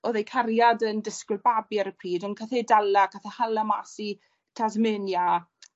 odd ei cariad yn disgwl babi ar y pryd ond cath ei dala cath e hala mas i Tasmania